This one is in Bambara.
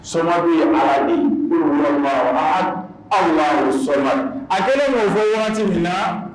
Soma ye ala ni anw soma a kɛra ne mun fɔ waati min na